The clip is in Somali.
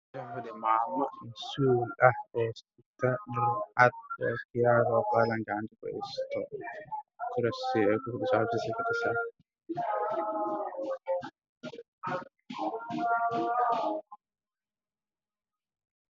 Waa islaan oo wadato dharcadaan ah oo ku fadhido kursi madow waana xafiis meesha